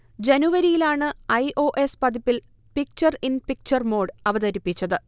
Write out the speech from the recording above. ജനുവരിയിലാണ് I. O. S. പതിപ്പിൽ picture in picture mode അവതരിപ്പിച്ചത്